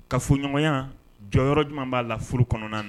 Ka fɔ ɲɔgɔnya jɔyɔrɔ yɔrɔ jumɛn b'a la furu kɔnɔna na